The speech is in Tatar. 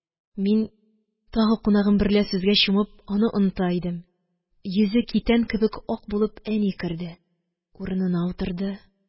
Мин, тагы кунагым берлә сүзгә чумып, аны оныта идем. Йөзе китән кебек ак булып, әни керде. Урынына утырды.